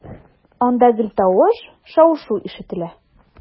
Анда гел тавыш, шау-шу ишетелә.